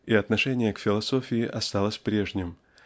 И отношение к философии осталось прежним